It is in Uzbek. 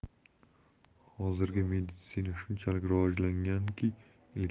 hozirgi meditsina shunchalik rivojlanganki